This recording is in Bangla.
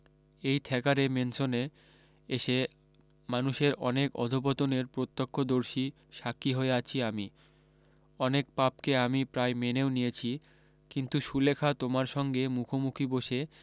এই থ্যাকারে ম্যানসনে এসে মানুষের অনেক অধপতনের প্রত্যক্ষদর্শী সাক্ষী হয়ে আছি আমি অনেক পাপকে আমি প্রায় মেনেও নিয়েছি কিন্তু সুলেখা তোমার সঙ্গে মুখোমুখি বসে